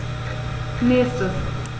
Nächstes.